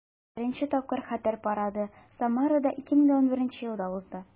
Беренче тапкыр Хәтер парады Самарада 2011 елда узды.